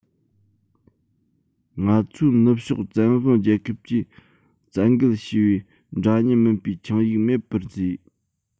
ང ཚོས ནུབ ཕྱོགས བཙན དབང རྒྱལ ཁབ ཀྱིས བཙན འགེལ བྱས པའི འདྲ མཉམ མིན པའི ཆིངས ཡིག མེད པར བཟོས